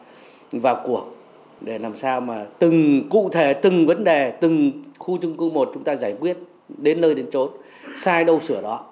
vào cuộc để làm sao mà từng cụ thể từng vấn đề từng khu chung cư một chúng ta giải quyết đến nơi đến chốn sai đâu sửa đó